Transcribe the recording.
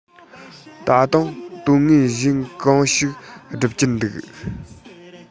ད དུང དོན ངན གཞན གང ཞིག སྒྲུབ ཀྱིན འདུག